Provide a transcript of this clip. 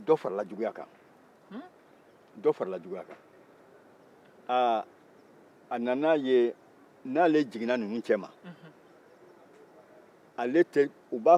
dɔ farala juguya kan aa a nana ye n'ale jiginna ninnu cɛman ale tɛ u b'a faga u bɛ tila ka den faga